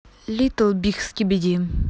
литл биг скибиди